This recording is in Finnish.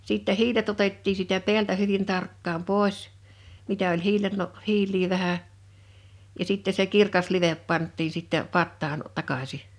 sitten hiilet otettiin siitä päältä hyvin tarkkaan pois mitä oli - hiiliä vähän ja sitten se kirkas live pantiin sitten pataan takaisin